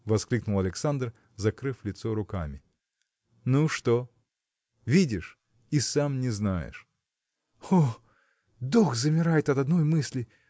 – воскликнул Александр, закрыв лицо руками. – Ну что? видишь – и сам не знаешь. – У! дух замирает от одной мысли.